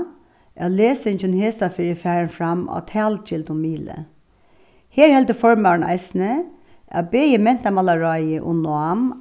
at lesingin hesaferð er farin fram á talgildum miðli her heldur formaðurin eisini at bæði mentamálaráðið og nám